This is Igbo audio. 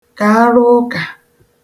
kàara ụkà